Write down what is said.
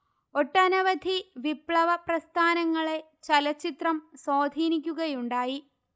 ഒട്ടനവധി വിപ്ലവ പ്രസ്ഥാനങ്ങളെ ചലച്ചിത്രം സ്വാധീനിക്കുകയുണ്ടായി